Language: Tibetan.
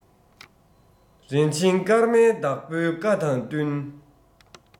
རིན ཆེན སྐར མའི བདག པོའི བཀའ དང བསྟུན